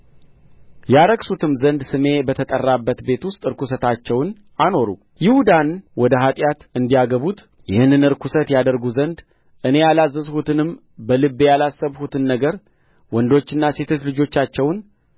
ያረክሱትም ዘንድ ስሜ በተጠራበት ቤት ውስጥ ርኩሰታቸውን አኖሩ ይሁዳን ወደ ኃጢአት እንዲያገቡት ይህንን ርኩሰት ያደርጉ ዘንድ እኔ ያላዘዝሁትንና በልቤ ያላሰብሁትን ነገር ወንዶችና ሴቶች ልጆቻቸውን